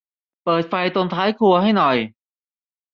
เปิดไฟตรงท้ายครัวให้หน่อย